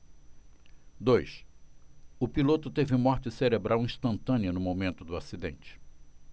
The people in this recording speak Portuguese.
dois o piloto teve morte cerebral instantânea no momento do acidente